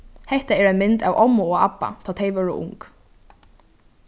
hetta er ein mynd av ommu og abba tá tey vóru ung